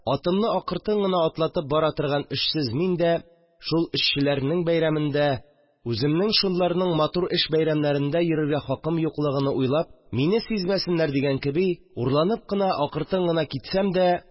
Атымны акыртын гына атлатып бара торган эшсез мин дә, шул эшчеләрнең бәйрәмендә үземнең шуларның матур эш бәйрәмнәрендә йөрергә хакым юклыгыны уйлап, мине сизмәсеннәр дигән кеби, урланып кына, акыртын гына китсәм дә